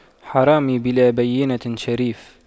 حرامي بلا بَيِّنةٍ شريف